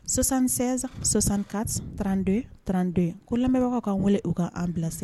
Sɔsansɛnsan sɔsan ka tranto trante ko lamɛnbagaw k'an wele u kaan bila